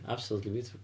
Absolutely beautiful.